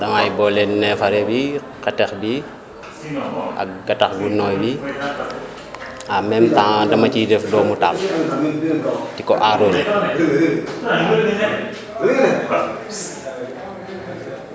damay boole neefere yi xetax bi ak gettax gu nooy bi en même temps dama ciy def dóomutaal di ko arrosé